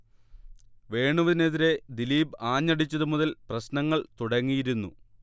വേണുവിനെതിരെ ദിലീപ് ആഞ്ഞടിച്ചതു മുതൽ പ്രശ്നങ്ങൾ തുടങ്ങിയിരുന്നു